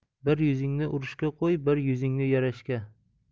bir yuzingni urushga qo'y bir yuzingni yarashga